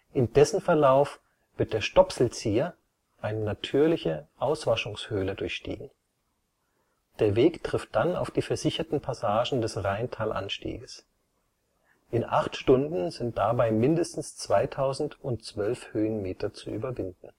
In dessen Verlauf wird der Stopselzieher, eine natürliche Auswaschungshöhle durchstiegen. Der Weg trifft dann auf die versicherten Passagen des Reintal-Anstieges. In acht Stunden sind dabei mindestens 2012 Höhenmeter zu überwinden